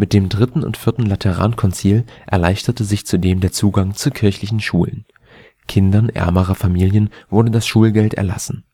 dem dritten und vierten Laterankonzil erleichterte sich zudem der Zugang zu kirchlichen Schulen. Kindern ärmerer Familien wurde das Schulgeld erlassen